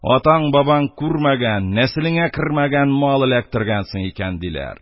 Атаң-бабаң күрмәгән, нәселеңә кермәгән мал эләктергәнсең икән, — диләр.